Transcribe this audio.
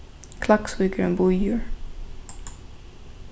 klaksvík er ein býur